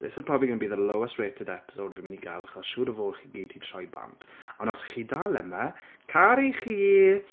This is probably going to be the lowest rated episode fi'n mynd i gael achos siŵr o fod chi gyd 'di troi bant, ond os 'y chi dal yma, caru chi.